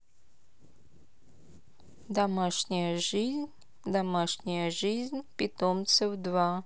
домашняя жизнь домашняя жизнь питомцев два